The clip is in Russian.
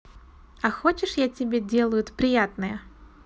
а хочешь я тебе делают приятное